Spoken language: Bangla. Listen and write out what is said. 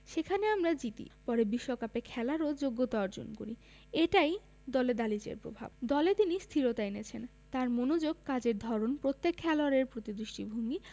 সেখানে আমরা জিতি পরে বিশ্বকাপে খেলারও যোগ্যতা অর্জন করি এটাই দলে দালিচের প্রভাব দলে তিনি স্থিরতা এনেছেন তাঁর মনোযোগ কাজের ধরন প্রত্যেক খেলোয়াড়ের প্রতি দৃষ্টিভঙ্গি